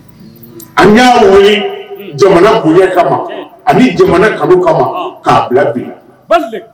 An y' jamana kun kama ani jamana kanu kama k'a bila bi